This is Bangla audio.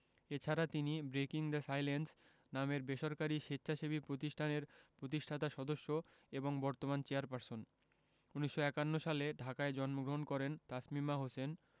এ ছাড়া তিনি ব্রেকিং দ্য সাইলেন্স নামের বেসরকারি স্বেচ্ছাসেবী প্রতিষ্ঠানের প্রতিষ্ঠাতা সদস্য এবং বর্তমান চেয়ারপারসন ১৯৫১ সালে ঢাকায় জন্মগ্রহণ করেন তাসমিমা হোসেন